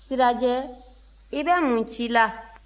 sirajɛ i bɛ mun ci la